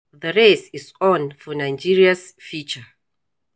The race is on for Nigeria's future